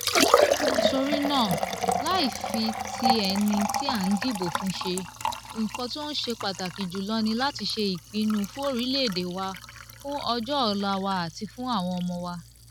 Torí náà láì fi ti ẹni tí a dìbò fún ṣe, nǹkan tí ó ṣe pàtàkì jùlọ ni láti ṣe ìpinnu fún orílẹ̀-èdè wa, fún ọjọ́-ọ̀la wa àti fún àwọn ọmọ wa.